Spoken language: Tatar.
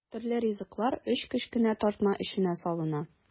Төрле ризыклар өч кечкенә тартма эченә салына.